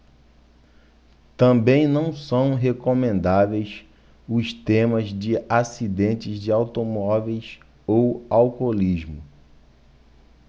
também não são recomendáveis os temas de acidentes de automóveis ou alcoolismo